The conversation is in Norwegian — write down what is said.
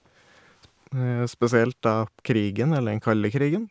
sp Spesielt da krigen, eller den kalde krigen.